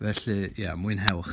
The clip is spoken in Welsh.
Felly ia, mwynhewch!